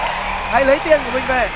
hãy lấy tiền của mình về